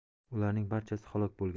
ularning barchasi halok bo'lgan